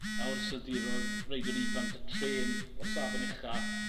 a o'r Iseldirodd reidiwr ifanc 'da trên o safon ucha